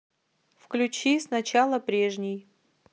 включи сначала прежний